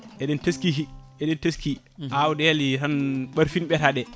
eɗen teski eɗen teski awɗele tan ɓarfino ɓeeta ɗe